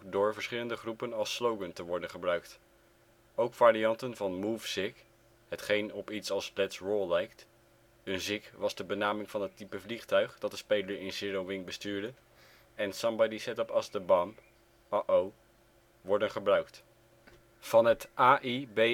door verschillende groepen als slogan te worden gebruikt. Ook varianten van " move ' zig '" (hetgeen op iets als " let 's roll " lijkt) (een ' zig ' was de benaming van het type vliegtuig dat de speler in Zero Wing bestuurde) en " Somebody set up us the bomb "(" oh oh ") worden gebruikt. Van het AYBABTU-fenomeen